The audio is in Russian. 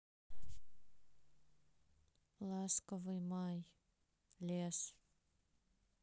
ласковый май лес